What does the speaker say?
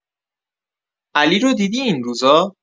علی رو دیدی این روزا؟